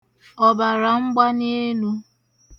ọ̀bàràmgbanịenū